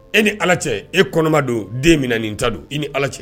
E ni ala cɛ e kɔnɔma don den min nin ta don i ni ala cɛ